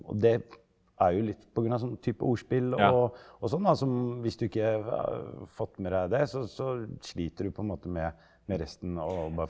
og det er jo litt pga. sånn type ordspill og og sånn da som hvis du ikke fått med deg det så så sliter du på en måte med med resten og bare.